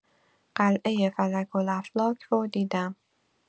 قلعه فلک‌الافلاک رو دیدم.